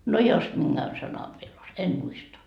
no jos minkään sanan vielä - en muista